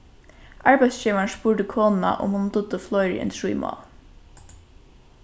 arbeiðsgevarin spurdi konuna um hon dugdi fleiri enn trý mál